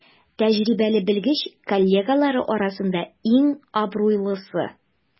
Тәҗрибәле белгеч коллегалары арасында иң абруйлысы.